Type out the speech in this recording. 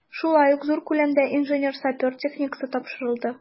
Шулай ук зур күләмдә инженер-сапер техникасы тапшырылды.